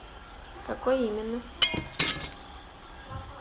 какой именно